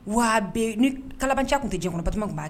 Wa bɛɛ ni kalajan tun tɛ jɛkɔrɔbama tun